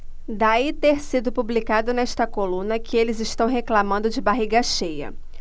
daí ter sido publicado nesta coluna que eles reclamando de barriga cheia